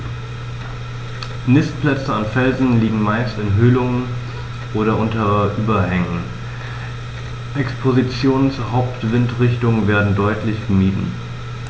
Nistplätze an Felsen liegen meist in Höhlungen oder unter Überhängen, Expositionen zur Hauptwindrichtung werden deutlich gemieden.